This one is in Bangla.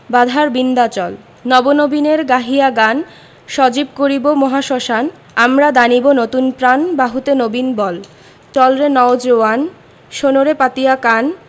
বাধার বিন্ধ্যাচল নব নবীনের গাহিয়া গান সজীব করিব মহাশ্মশান আমরা দানিব নতুন প্রাণ বাহুতে নবীন বল চল রে নও জোয়ান শোন রে পাতিয়া কান